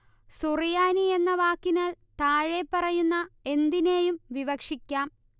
സുറിയാനി എന്ന വാക്കിനാൽ താഴെപ്പറയുന്ന എന്തിനേയും വിവക്ഷിക്കാം